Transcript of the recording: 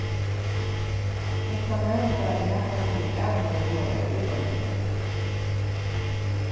hetta nevnda er nakað fyri ævintýrhugaðar útlendingar